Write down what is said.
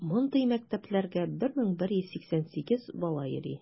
Мондый мәктәпләргә 1188 бала йөри.